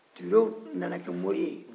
tourew nana kɛ mori ye yen